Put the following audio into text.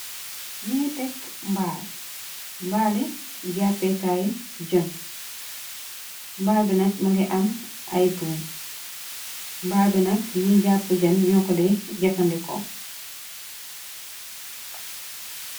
Ni ngi tekk mbaal mbaale jàppeekaay jën mbaal bi nak mëngay am ay buum mbaal bi nakk ñuy jàpp jen ñoo ko de jefande ko.